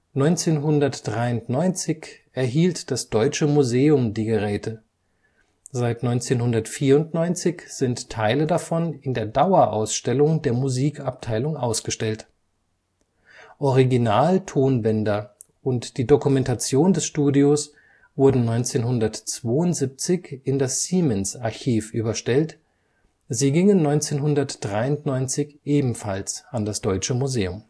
1993 erhielt das Deutsche Museum die Geräte, seit 1994 sind Teile davon in der Dauerausstellung der Musikabteilung ausgestellt. Original-Tonbänder und die Dokumentation des Studios wurden 1972 in das Siemens-Archiv überstellt, sie gingen 1993 ebenfalls an das Deutsche Museum